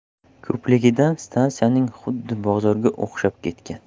ko'pligidan stansiyaning xuddi bozorga o'xshab ketgan